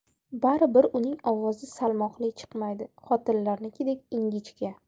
bari bir uning ovozi salmoqli chiqmaydi xotinlarnikidek ingichka